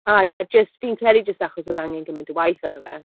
A, yy, jyst, fi'n credu jyst achos oedd angen gymaint o waith arno fe.